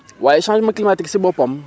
waaye changement climatique si boppam